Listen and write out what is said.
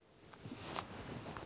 ангел хранитель пять